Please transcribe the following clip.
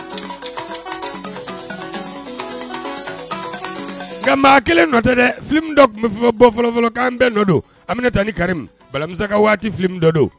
Nka kelen nɔ tɛ dɛ dɔ tun bɛ bɔ fɔlɔfɔlɔkan bɛɛ nɔ don an taa ni kari balimakisɛsa waati dɔ don